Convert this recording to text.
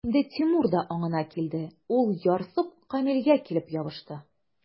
Инде Тимур да аңына килде, ул, ярсып, Камилгә килеп ябышты.